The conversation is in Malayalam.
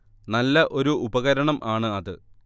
നല്ല ഒരു ഉപകരണം ആണ് അത്